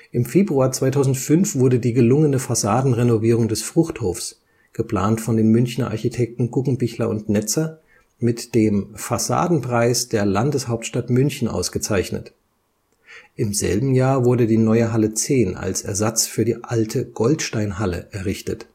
Im Februar 2005 wurde die gelungene Fassadenrenovierung des Fruchthofs, geplant von den Münchener Architekten Guggenbichler + Netzer, mit dem Fassadenpreis der Landeshauptstadt München ausgezeichnet. Im selben Jahr wurde die neue Halle 10 als Ersatz für die alte Goldsteinhalle errichtet